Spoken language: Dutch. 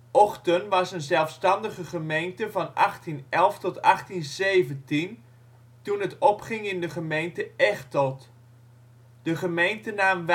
Ochten was een zelfstandige gemeente van 1811 tot 1817, toen het opging in de gemeente Echteld. De gemeentenaam